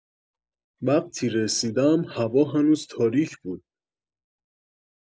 وقتی رسیدم، هوا هنوز تاریک بود.